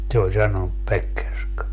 se oli sanonut Pekkerska